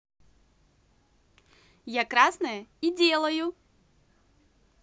я красное и делаю